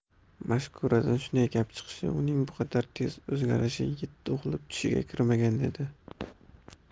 mashkuradan shunday gap chiqishi uning bu qadar tez o'zgarishi yetti uxlab tushiga kirmagan edi